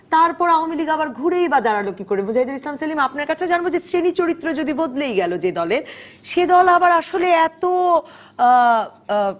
তারপর আওয়ামী লীগ আবার ঘুরেই বা দাঁড়ালো কিভাবে মুজাহিদুল ইসলাম সেলিম আপনার কাছেও জানব যে শ্রেণি চরিত্র যদি বদলেই গেল যে দলের সে দল আবার আসলে এত